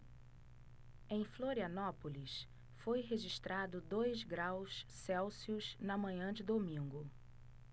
em florianópolis foi registrado dois graus celsius na manhã de domingo